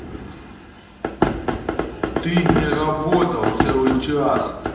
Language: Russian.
ты не работал целый час